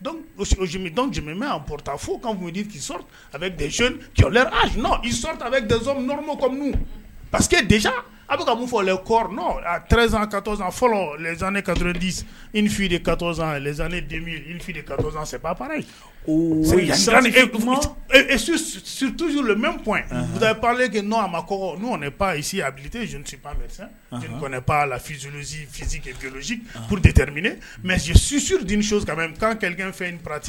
Dɔnku foz pa a fɔz ka fɔlɔ znen ka ka zfi kaz siran esi bɛ pa n a mauɛ pansi a bilisi tɛ zsi panɛ lazsi pteri minɛ mɛsi susuur taa kafɛn pate